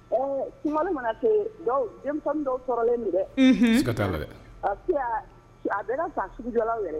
Ɛɛ sunkalo mana se denmisɛn dɔw sɔrɔlen donn dɛ Unhun siga ta la. A bɛɛ ka fisa a sugu jɔlaw yɛrɛ